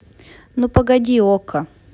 ну погоди окко